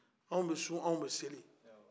anw bɛ sun anw bɛ seli